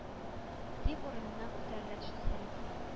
Дип урыныннан күтәрелә төште сәлим хан